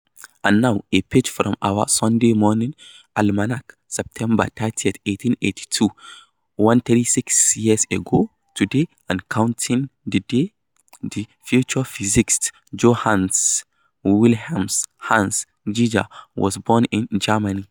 And now a page from our "Sunday Morning" Almanac: September 30, 1882, 136 years ago today, and COUNTING ... the day the future physicist Johannes Wilhelm "Hans" Geiger was born in Germany.